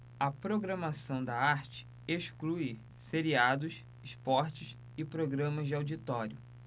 a programação da arte exclui seriados esportes e programas de auditório